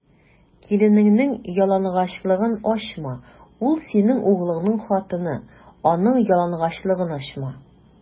Киленеңнең ялангачлыгын ачма: ул - синең углыңның хатыны, аның ялангачлыгын ачма.